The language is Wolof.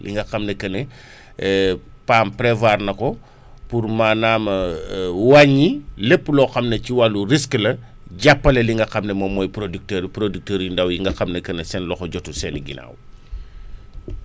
li nga xam ne que ne PAM prévoir na ko pour maanaam wàññi lépp loo xam ne ci wàllu risque la jàppale li nga xam ne moom mooy producteurs producteurs yu ndaw yi nga xam ne que ne seen loxo jotul seen i ginnaaw